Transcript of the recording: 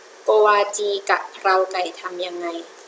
โกวาจีกะเพราไก่ทำยังไง